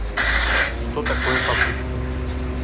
что такое попытка